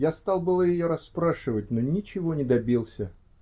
Я стал было ее расспрашивать, но ничего не добился.